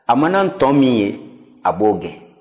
a mana ntɔn min ye a b'o gɛn